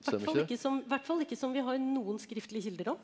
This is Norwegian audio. hvert fall ikke som hvert fall ikke som vi har noen skriftlige kilder om.